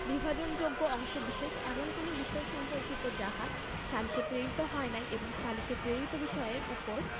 বিভাজনযোগ্য অংশবিশেষ এমন কোন বিষয় সম্পর্কিত যাহা সালিসে প্রেরিত হয় নাই এবং সালিসে প্রেরিত বিষয়ের উপর